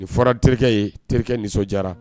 Nin fɔra terikɛ ye terikɛ nisɔndiyara